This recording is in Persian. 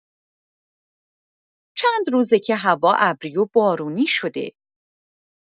چندروزه که هوا ابری و بارونی شده.